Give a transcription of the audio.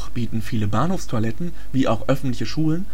bieten viele Bahnhofstoiletten, wie auch öffentliche Schulen